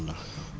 wallaahi